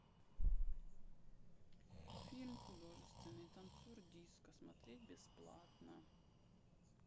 фильм художественный танцор диско смотреть бесплатно